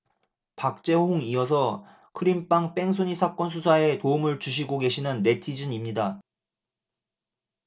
박재홍 이어서 크림빵 뺑소니 사건 수사에 도움을 주시고 계시는 네티즌입니다